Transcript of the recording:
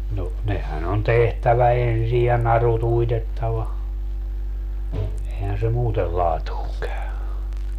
no nehän on tehtävä ensin ja narut uitettava eihän se muuten laatuun käy